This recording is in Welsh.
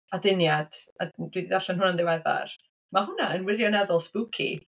Aduniad a dwi 'di darllen hwnna'n ddiweddar, ma' hwnna'n wirioneddol sbwci.